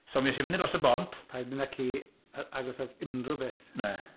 So mi es i fyny i dros y bont... Paid mynd â ci yn agos at unrhyw beth... Na.